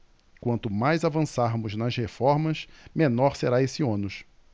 quanto mais avançarmos nas reformas menor será esse ônus